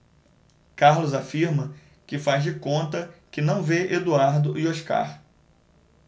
carlos afirma que faz de conta que não vê eduardo e oscar